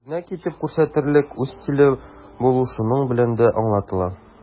Үрнәк итеп күрсәтерлек үз стиле булу шуның белән дә аңлатыла.